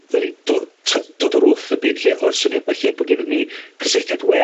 byddwn ni'n do- t'o' dod o'r wrth y byd lle o'r syniad 'ma lle bo' gynnon ni cysylltiad we